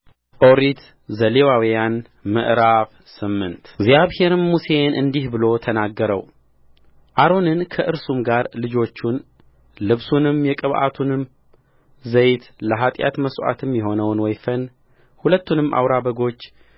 ኦሪት ዘሌዋውያን ምዕራፍ ስምንት እግዚአብሔርም ሙሴን እንዲህ ብሎ ተናገረውአሮንን ከእርሱም ጋር ልጆቹን ልብሱንም የቅብዓቱንም ዘይት ለኃጢአት መሥዋዕትም የሆነውን ወይፈን ሁለቱንም አውራ በጎች